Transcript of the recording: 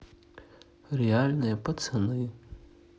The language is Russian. реальные пацаны